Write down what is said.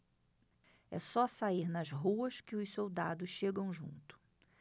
é só sair nas ruas que os soldados chegam junto